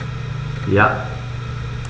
Ja.